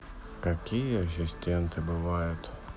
какие ассистенты бывают